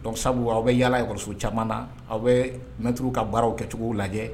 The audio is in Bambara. Dɔw sabu aw bɛ yaala yɔrɔso caman na aw bɛ mɛuru ka baaraw kɛcogo lajɛ